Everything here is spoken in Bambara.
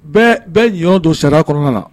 Bɛɛ bɛɛ ɲɔ don sariya kɔnɔna na